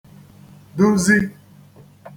duzi